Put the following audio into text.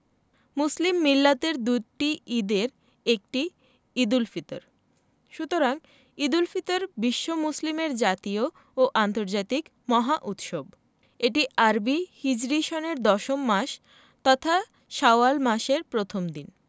মুসলিম মিল্লাতের দুটি ঈদের একটি ঈদুল ফিতর সুতরাং ঈদুল ফিতর বিশ্ব মুসলিমের জাতীয় ও আন্তর্জাতিক মহা উৎসব এটি আরবি হিজরি সনের দশম মাস তথা শাওয়াল মাসের প্রথম দিন